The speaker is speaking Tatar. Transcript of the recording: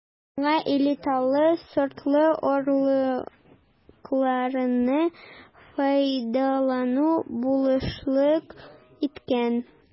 Моңа элиталы сортлы орлыкларны файдалану булышлык иткән.